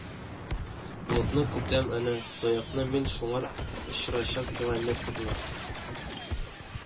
Болытны көтәм әнә, Таякны мин шуңар очрачакилометрын